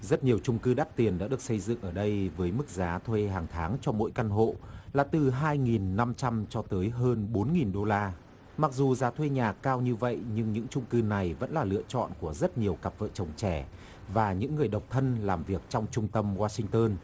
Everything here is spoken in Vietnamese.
rất nhiều chung cư đắt tiền đã được xây dựng ở đây với mức giá thuê hàng tháng cho mỗi căn hộ là từ hai nghìn năm trăm cho tới hơn bốn nghìn đô la mặc dù giá thuê nhà cao như vậy nhưng những chung cư này vẫn là lựa chọn của rất nhiều cặp vợ chồng trẻ và những người độc thân làm việc trong trung tâm goa xin tơn